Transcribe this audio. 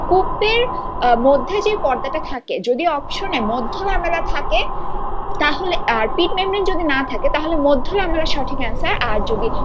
কুপের মধ্যে যে পর্দাটা থাকে যদি অপশনে পিট মেমব্রেন যদি না থাকে তাহলে মধ্য লামেলার সঠিক আনসার আর যদি